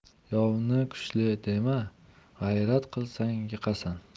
yovni kuchli dema g'ayrat qilsang yiqasan